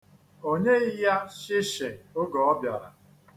O nyeghị ya shịshị oge ọ bịara.